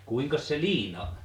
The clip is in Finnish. kuinkas se liina